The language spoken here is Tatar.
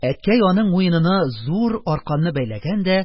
Әткәй аның муенына зур арканны бәйләгән дә